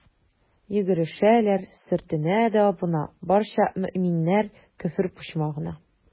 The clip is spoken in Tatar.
Йөгерешәләр, сөртенә дә абына, барча мөэминнәр «Көфер почмагы»на.